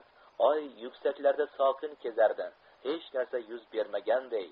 oy yuksaklarda sokin kezardi hech narsa yuz bermaganday